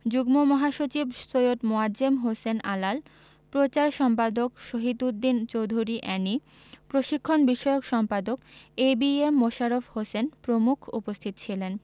যুগ্ম মহাসচিব সৈয়দ মোয়াজ্জেম হোসেন আলাল প্রচার সম্পাদক শহীদ উদ্দিন চৌধুরী এ্যানি প্রশিক্ষণ বিষয়ক সম্পাদক A B M Mosharraf Hossain প্রমুখ উপস্থিত ছিলেন